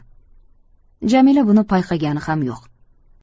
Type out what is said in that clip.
jamila buni payqagani ham yo'q